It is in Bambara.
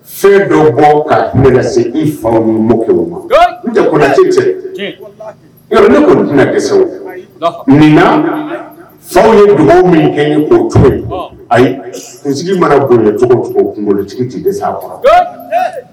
Fɛn dɔw baw ka bɛ se i fa ni mɔ kelen ma n tɛ tɛ ne kɔni gesew nin faw ye mɔgɔw min kɛ'o cogo ayi n sigi mara bonyacogo kunkologolotigi tɛ gese a kɔnɔ